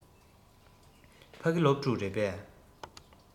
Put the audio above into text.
ཕ གི སློབ ཕྲུག རེད པས